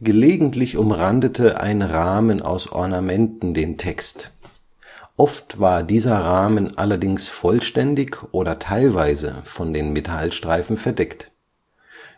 Gelegentlich umrandete ein Rahmen aus Ornamenten den Text. Oft war dieser Rahmen allerdings vollständig oder teilweise von den Metallstreifen verdeckt.